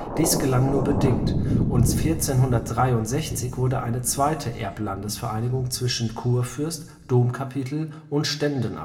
Dies gelang nur bedingt, und 1463 wurde eine zweite Erblandesvereinigung zwischen Kurfürst, Domkapitel und Ständen